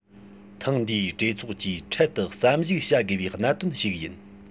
ཐེངས འདིའི གྲོས ཚོགས ཀྱིས འཕྲལ དུ བསམ གཞིགས བྱ དགོས པའི གནད དོན ཞིག ཡིན